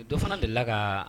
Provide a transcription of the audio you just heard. E dɔ fana delila ka